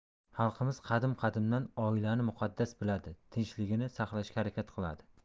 xalqimiz qadim qadimdan oilani muqaddas biladi tinchligini saqlashga harakat qiladi